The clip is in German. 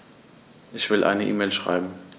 Ich will eine E-Mail schreiben.